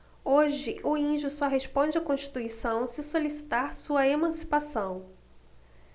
hoje o índio só responde à constituição se solicitar sua emancipação